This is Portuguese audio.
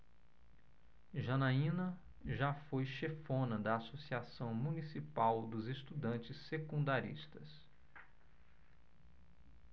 janaina foi chefona da ames associação municipal dos estudantes secundaristas